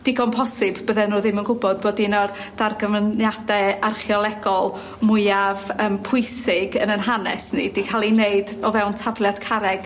digon posib bydden nw ddim yn gwbod bod un o'r dargyfyniade archeolegol mwyaf yym pwysig yn 'yn hanes ni 'di ca'l ei neud o fewn tafliad carreg.